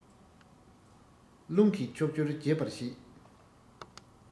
རླུང གིས ཕྱོགས བཅུར རྒྱས པར བྱེད